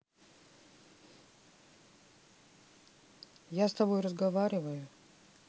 я с тобой разговариваю